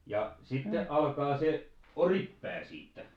ja sitten alkaa se Oripää siitä